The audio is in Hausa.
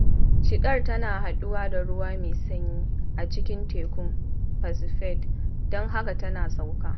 Cidar tana haɗuwa da ruwa mai sanyi a cikin tekun Pacific don haka tana sauka.